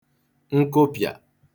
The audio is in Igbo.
nkụpịà